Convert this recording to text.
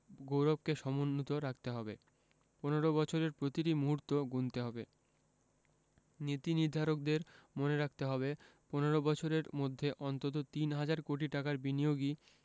গৌরবকে সমুন্নত রাখতে হবে ১৫ বছরের প্রতিটি মুহূর্ত গুনতে হবে নীতিনির্ধারকদের মনে রাখতে হবে ১৫ বছরের মধ্যে অন্তত তিন হাজার কোটি টাকার বিনিয়োগই